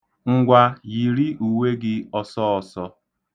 Ngwa, yiri uwe gị ọsọọsọ.